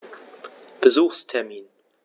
Besuchstermin